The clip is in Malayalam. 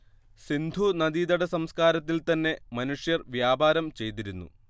സിന്ധു നദീതടസംസ്കാരത്തിൽ തന്നെ മനുഷ്യർ വ്യാപാരം ചെയ്തിരുന്നു